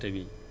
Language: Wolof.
waaw